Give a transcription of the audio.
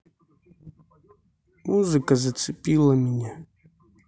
музыка зацепила меня